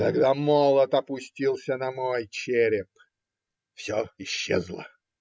Тогда молот опустился на мой череп. Все исчезло